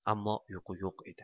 ammo uyqu yo'q edi